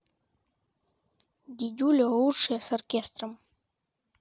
дидюля лучшее с оркестром